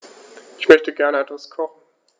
Ich möchte gerne etwas kochen.